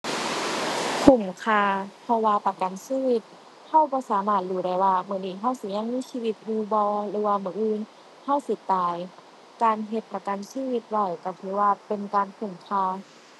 คุ้มค่า เพราะว่าประกันชีวิตเราบ่สามารถรู้ได้ว่ามื้อนี้เราสิยังมีชีวิตอยู่บ่หรือว่ามื้ออื่นเราสิตาย การเฮ็ดประกันชีวิตไว้เราถือว่าเป็นการคุ้มค่า